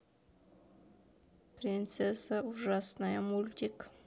принцесса ужасная мультик